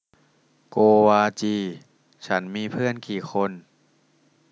โกวาจีฉันมีเพื่อนกี่คน